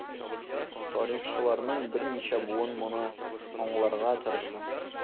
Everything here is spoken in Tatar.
Тарихчыларның берничә буыны моны аңларга тырыша.